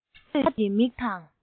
ལྟ འདོད ཀྱི མིག དང